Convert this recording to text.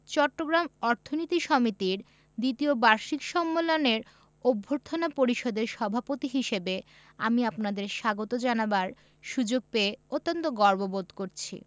চট্টগ্রাম অর্থনীতি সমিতির দ্বিতীয় বার্ষিক সম্মেলনের অভ্যর্থনা পরিষদের সভাপতি হিসেবে আমি আপনাদের স্বাগত জানাবার সুযোগ পেয়ে অত্যন্ত গর্বিত বোধ করছি